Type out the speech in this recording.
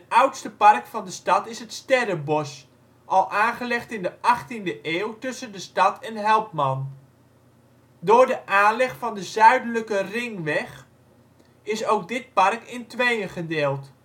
oudste park van de stad is het Sterrebos, al aangelegd in de achttiende eeuw tussen de stad en Helpman. Door de aanleg van de zuidelijke ringweg is ook dit park in tweeën gedeeld